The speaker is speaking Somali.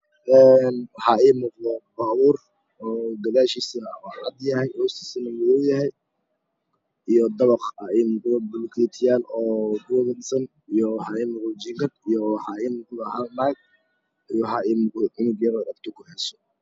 Een waxaa ii muqda gari gadashisa hostinana madoow dahay gadashisana dabaq iyo waxaa ii muqda bulakeeti iyo lamayeeri iyo cunug yar